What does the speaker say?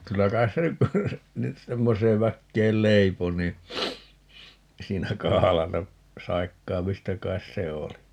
kyllä kai se nyt nyt semmoiseen väkeen leipoi niin siinä kahlata saikkaamista kai se oli